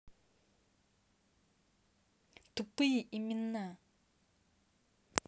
тупые имена